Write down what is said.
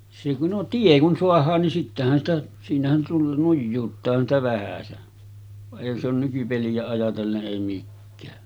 se kun no tie kun saadaan niin sittenhän sitä siinähän tulla nujuuttaahan sitä vähäsen vaan eihän se ole nykypeliä ajatellen ei mikään